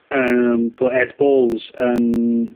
yym, t'wod Ed Balls yn